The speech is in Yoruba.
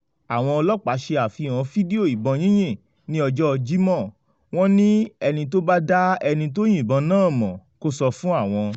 Àwọn ọlọ́pàá ṣe àfihàn fídíò ìbọn yínyìn ní ọjọ́ Jímọ̀. Wọ́n ní ẹni tó bá dá ẹni tó yìnbọn náà mọ̀, kó sọ fún àwọn.